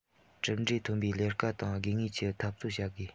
གྲུབ འབྲས ཐོན པའི ལས ཀ དང དགོས ངེས ཀྱི འཐབ རྩོད བྱ དགོས